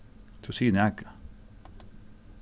tú sigur nakað